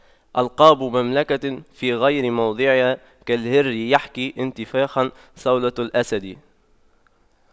ألقاب مملكة في غير موضعها كالهر يحكي انتفاخا صولة الأسد